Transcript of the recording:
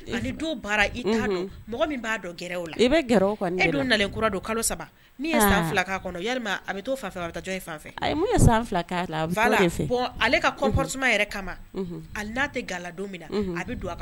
Ani du baara i k'a don, unhun, mɔgɔ min b'a dɔn gɛrɛ o la,i bɛ gɛrɛ o kɔni bon de la, e dun nalen kura don kalo3 , min ye san 2 k'a kɔnɔ yalima a bɛ t'o fɛn fɛ wa a bɛ taa jɔn fan fɛ, min ye san 2 k'a la, , voila, bon , ale ka comportement yɛrɛ kama hali n'a tɛ ga la don minna a bɛ don a ka